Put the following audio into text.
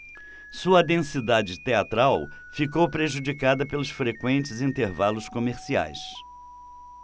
sua densidade teatral ficou prejudicada pelos frequentes intervalos comerciais